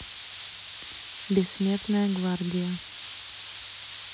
бессмертная гвардия